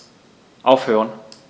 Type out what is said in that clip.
Aufhören.